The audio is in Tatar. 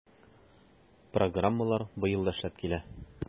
Программалар быел да эшләп килә.